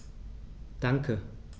Danke.